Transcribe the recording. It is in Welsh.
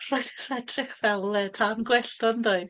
Roedd e'n edrych fel, yy, tan gwyllt yn doedd?